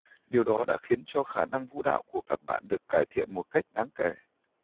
điều đó đã khiến cho khả năng vũ đạo của các bạn được cải thiện một cách đáng kể